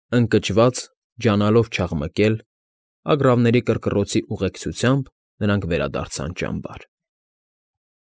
Ընկճված ջանալով չաղմկել, ագռավների կռկռոցի ուղեկցությամբ նրանք վերադարձան ճամբար։